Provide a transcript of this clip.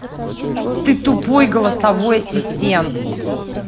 ты тупой голосовой ассистент